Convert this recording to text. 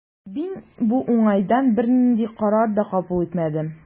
Мин бу уңайдан бернинди карар да кабул итмәдем.